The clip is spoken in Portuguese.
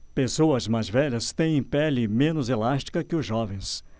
pessoas mais velhas têm pele menos elástica que os jovens